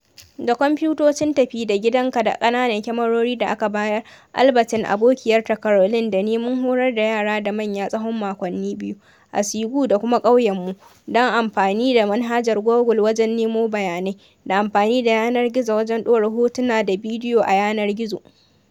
Da kwamfutocin tafi-da-gidanka da ƙananan kyamarori da aka bayar, Albertine, abokiyar ta Caroline da ni mun horar da yara da manya tsawon makonni biyu, a Ségou da kuma ƙauyenmu, don amfani da manhajar Google wajen nemo bayanai, da amfani da yanar gizo wajen ɗora hotuna da bidiyo a yanar gizo .